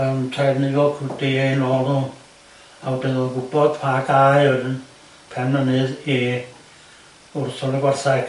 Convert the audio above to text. Yym wedyn i nôl n'w a wedyn o'dd o'n gwbod pa gae oedd yn Penmynydd i wllwng y gwarthaig.